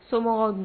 Somɔgɔ dun?